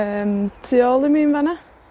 Yym, tu ôl i mi yn fan 'na.